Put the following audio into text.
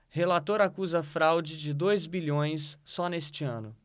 relator acusa fraude de dois bilhões só neste ano